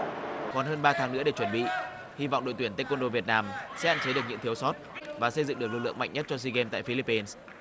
còn hơn ba tháng nữa để chuẩn bị hy vọng đội tuyển tây côn đô việt nam sẽ hạn chế được những thiếu sót và xây dựng được lực lượng mạnh nhất cho si ghêm tại phi líp pin